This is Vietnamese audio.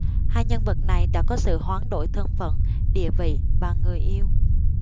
hai nhân vật này đã có sự hoán đổi thân phận địa vị và người yêu